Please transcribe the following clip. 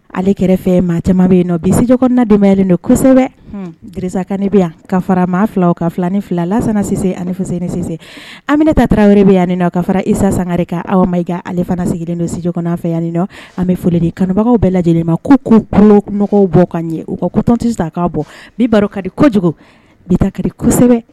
Ale kɛrɛfɛ maa caman bɛ yen nɔ bi studi kɔnɔna dɛmɛlen don kosɛbɛ sa kan bɛ yan ka fara maa fila ka filanin fila lasise anisɛsi anminata taraweley bɛ yanani na ka fara isa sangari aw ma i ka ale fana sigilen dontujɔn fɛ yanni nɔ an bɛ foli ni kanubagaw bɛɛ lajɛlen ma ko koɔgɔ bɔ ka ɲɛ u ka ko tɔnti k'a bɔ baro kadi kojugu bi kari kosɛbɛ